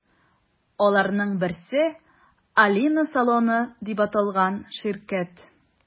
Аларның берсе – “Алина салоны” дип аталган ширкәт.